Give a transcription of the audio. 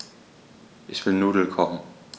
Ich will Nudeln kochen.